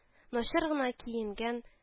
Начар гына киенгән